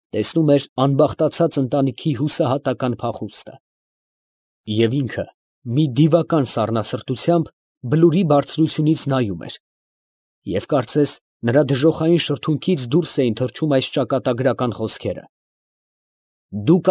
Տեսնում էր անբախտացած ընտանիքի հուսահատական փախուստը, և ինքը մի դիվական սառնասրտությամբ բլուրի բարձրությունից նայում էր, և կարծես նրա դժոխային շրթունքից դուրս էին թռչում այս ճակատագրական խոսքերը. «Դուք։